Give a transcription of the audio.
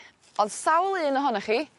O'dd sawl un ohonoch chi